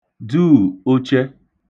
duù ochẹ